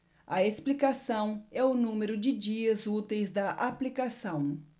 a explicação é o número de dias úteis da aplicação